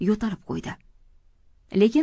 yo'talib qo'ydi